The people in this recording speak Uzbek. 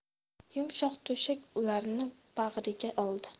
yumshoq to'shak ularni bag'riga oldi